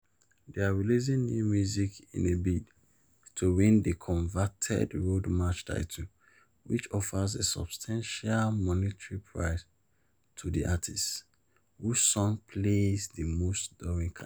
They're releasing new music in a bid to win the coveted Road March title, which offers a substantial monetary prize to the artist whose song plays the most during Carnival.